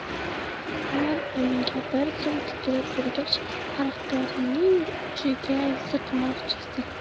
anvar unga bir zum tikilib turgach harfdorning uchiga sirtmoq chizdi